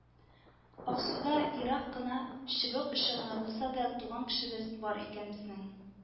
Аксуда ерак кына, чыбык очы гына, булса да туган кешебез бар икән безнең